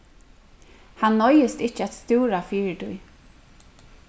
hann noyðist ikki at stúra fyri tí